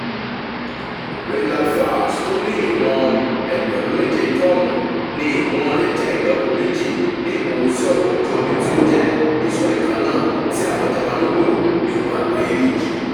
"Rheinland-Pfalz" tó ní ìwọ̀n 7,000-ton ní ìwọ́n rẹ̀ jẹ́ ìlọ́po méjì ní ìwúwo sí ọkọ̀ ojú omi tí ó jẹ́ ìsọ̀rí kannáà tí àwọn Jámànù lò ní Ogun Àgbáyé Kejì..